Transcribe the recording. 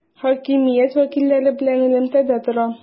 Хакимият вәкилләре белән элемтәдә тора.